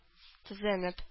Тезләнеп